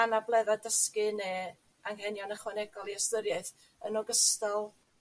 anabledda dysgu ne' anghenion ychwanegol i ystyriaeth, yn ogystal